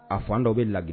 A fan dɔw bɛ lag